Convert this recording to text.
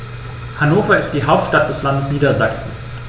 Hannover ist die Hauptstadt des Landes Niedersachsen.